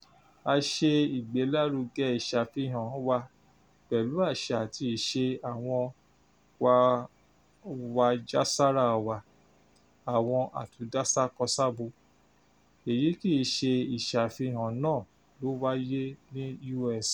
A ṣe ìgbélarúgẹ ìṣàfihàn wa pẹ̀lú àṣà àti ìṣẹ àwọn KhawajaSara wa (àwọn Àtúndásákosábo), èyí kì í ṣe ìṣàfihàn náà ló wáyé ní US.